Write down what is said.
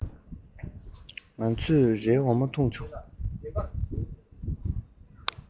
ང ཚོས རའི འོ མ འཐུང ཆོག